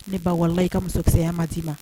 Ne bawalanla i ka musokisɛ saya ma d'i ma